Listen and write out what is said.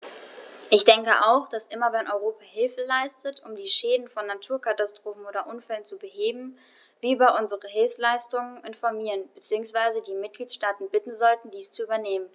Ich denke auch, dass immer wenn Europa Hilfe leistet, um die Schäden von Naturkatastrophen oder Unfällen zu beheben, wir über unsere Hilfsleistungen informieren bzw. die Mitgliedstaaten bitten sollten, dies zu übernehmen.